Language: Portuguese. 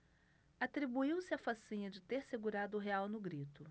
atribuiu-se a façanha de ter segurado o real no grito